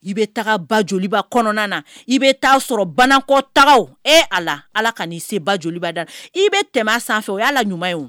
I bɛ taga ba joliba kɔnɔna na i bɛ taa' sɔrɔ banakɔtaa e ala la ala ka'i se ba joliba da i bɛ tɛmɛ sanfɛ o y'ala ɲuman ye